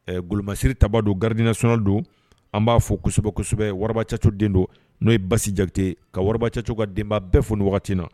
Ɛɛ golomasiri tabaa don garde nationale don, an b'a fɔ kosɛbɛ, kosɛbɛ .Warabacaco den don n'o ye Basi Jakite ka warabacaco ka denbaya bɛɛ fo wagati in na.